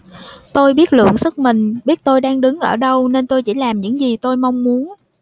tôi biết lượng sức mình biết tôi đang đứng ở đâu nên tôi chỉ làm những gì tôi mong muốn